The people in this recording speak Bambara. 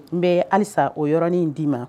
N bɛ halisa o yɔrɔnin d'i ma